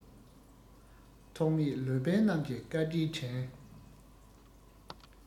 ཐོགས མེད ལོ པཎ རྣམས ཀྱི བཀའ དྲིན དྲན